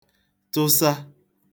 tụsa